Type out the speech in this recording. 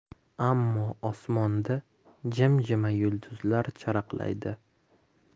ammo osmonda jim jima yulduzlar charaqlaydi